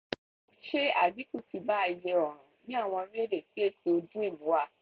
Ṣe àdínkù ti bá iye ọ̀ràn ní àwọn orílẹ̀-èdè tí ètò DREAM wà?